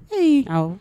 Ee aw